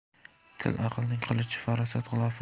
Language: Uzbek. til aqlning qilichi farosat g'ilofi